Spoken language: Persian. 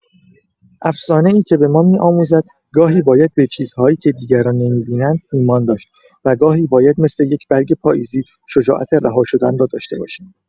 افسانه‌ای که به ما می‌آموزد گاهی باید به چیزهایی که دیگران نمی‌بینند، ایمان داشت و گاهی باید مثل یک برگ پاییزی، شجاعت رها شدن را داشته باشیم.